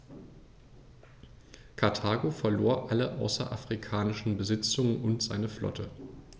Karthago verlor alle außerafrikanischen Besitzungen und seine Flotte.